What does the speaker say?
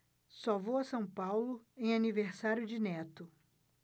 só vou a são paulo em aniversário de neto